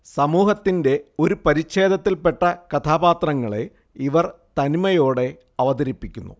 സമൂഹത്തിന്റെ ഒരു പരിഛേദത്തിൽപ്പെട്ട കഥാപാത്രങ്ങളെ ഇവർ തനിമയോടെ അവതരിപ്പിക്കുന്നു